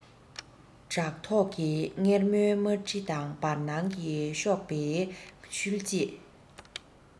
བྲག ཐོག གི སྡེར མོའི དམར དྲི དང བར སྣང གི གཤོག པའི ཤུལ རྗེས